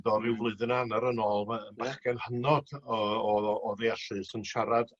do ryw flwyddyn a anar yn ôl ma' bachgen hynod o o o o ddeallus yn siarad